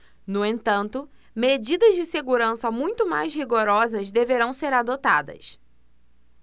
no entanto medidas de segurança muito mais rigorosas deverão ser adotadas